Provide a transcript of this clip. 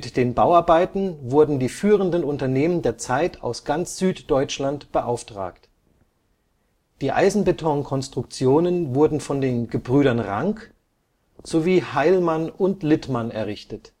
den Bauarbeiten wurden die führenden Unternehmen der Zeit aus ganz Süddeutschland beauftragt. Die Eisenbetonkonstruktionen wurden von den Gebrüdern Rank sowie Heilmann & Littmann errichtet